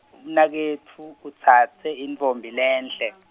umnaketfu, utsatse intfombi lenhle.